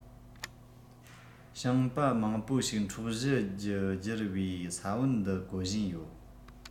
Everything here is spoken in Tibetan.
ཞིང པ མང པོ ཞིག འཕྲོག གཞི རྒྱུ སྒྱུར བའི ས བོན འདི བཀོལ བཞིན ཡོད